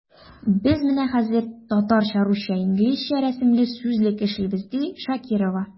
Без менә хәзер “Татарча-русча-инглизчә рәсемле сүзлек” эшлибез, ди Шакирова.